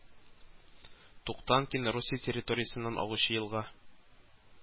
Туктанкина Русия территориясеннән агучы елга